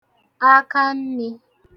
akannī